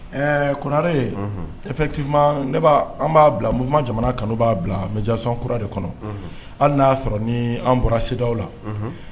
Ɛɛ konare ye eti ne b' an b'a bila muru jamana kanu b'a bila mɛjasan kura de kɔnɔ an'a sɔrɔ ni an bɔra sew la